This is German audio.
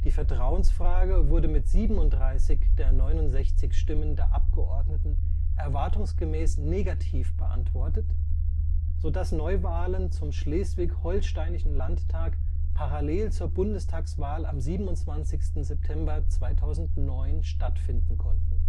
Vertrauensfrage wurde mit 37 der 69 Stimmen der Abgeordneten erwartungsgemäß negativ beantwortet, sodass Neuwahlen zum schleswig-holsteinischen Landtag parallel zur Bundestagswahl am 27. September 2009 stattfinden konnten